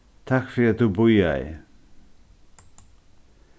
takk fyri at tú bíðaði